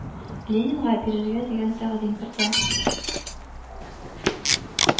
Ленинга бирергә дигән тәкъдим кертә